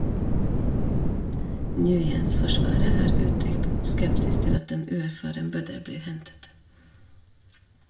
Nguyens forsvarer har uttrykt skepsis til at en uerfaren bøddel blir hentet.